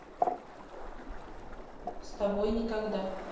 с тобой никогда